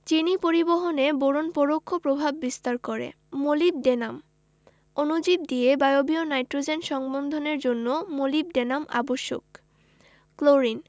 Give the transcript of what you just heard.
চিনি পরিবহনে বোরন পরোক্ষ প্রভাব বিস্তার করে মোলিবডেনাম অণুজীব দিয়ে বায়বীয় নাইট্রোজেন সংবন্ধনের জন্য মোলিবডেনাম আবশ্যক ক্লোরিন